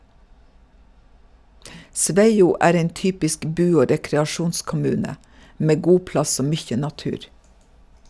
Sveio er ein typisk bu- og rekreasjonskommune med god plass og mykje natur.